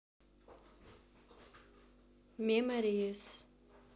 memories